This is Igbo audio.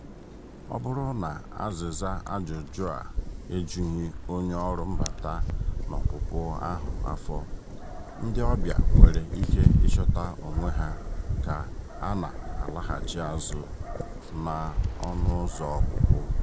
Ọ bụrụ na azịza ajụjụ a ejughị onye ọrụ mbata na ọpụpụ ahụ afọ, ndị ọbịa nwere ike ịchọta onwe ha ka a na-alaghachị azụ n'ọnụ ụzọ ọpụpụ.